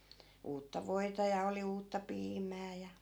uutta voita ja oli uutta piimää ja